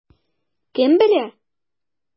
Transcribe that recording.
Кем белә?